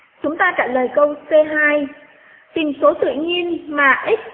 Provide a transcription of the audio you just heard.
chúng ta trả lời câu c tìm số tự nhiên mà x